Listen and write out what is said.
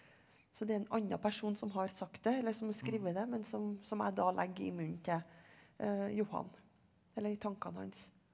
så det er en annen person som har sagt det eller som har skrevet det men som som jeg da legger i munnen til Johan eller i tankene hans.